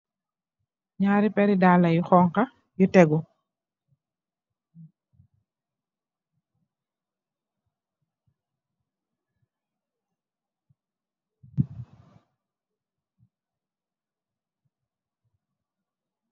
Njareh pereh dalah yuh honha yu teguh .